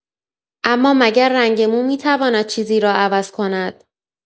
اما مگر رنگ مو می‌تواند چیزی را عوض کند؟